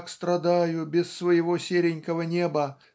так страдаю без своего серенького неба